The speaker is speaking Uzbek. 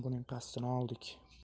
buning qasdini oldik